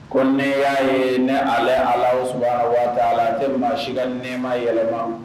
Ko ne y'a ye ne Alahu subahana wataala tɛ maa si ka nɛma yɛlɛma